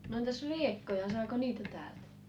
entäs riekkoja saako niitä täältä